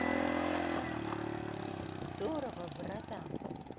здорово братан